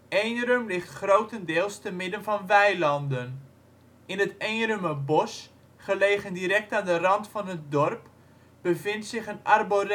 Eenrum ligt grotendeels te midden van weilanden. In het Eenrumerbos, gelegen direct aan de rand van het dorp, bevindt zich een arboretum. Er